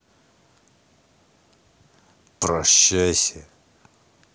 прощайся